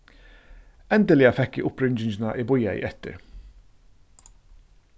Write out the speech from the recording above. endiliga fekk eg uppringingina eg bíðaði eftir